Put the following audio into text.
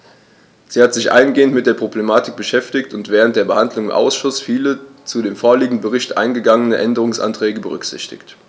Sie hat sich eingehend mit der Problematik beschäftigt und während der Behandlung im Ausschuss viele zu dem vorliegenden Bericht eingegangene Änderungsanträge berücksichtigt.